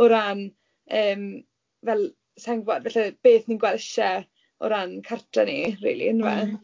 o ran, yym, fel sa i'n gwybod falle beth ni'n gweld isie o ran cartre ni rili yndyfe.